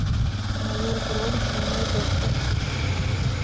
майор гром чумной доктор